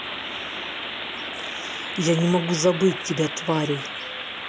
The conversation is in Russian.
я не могу забыть тебя тварей